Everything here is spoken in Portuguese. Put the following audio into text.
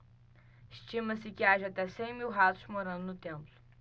estima-se que haja até cem mil ratos morando no templo